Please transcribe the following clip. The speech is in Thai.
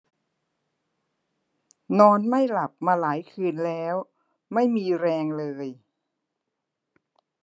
นอนไม่หลับมาหลายคืนแล้วไม่มีแรงเลย